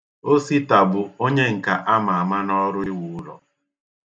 Osita bụ onyenka a ma ama n'ọrụ iwu ụlọ.